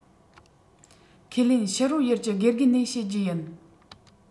ཁས ལེན ཕྱི རོལ ཡུལ གྱི དགེ རྒན ནས བཤད རྒྱུ ཡིན